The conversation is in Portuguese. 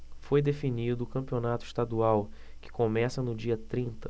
foi definido o campeonato estadual que começa no dia trinta